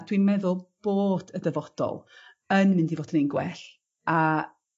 dwi'n meddwl bod y dyfodol yn mynd i fod yn un gwell a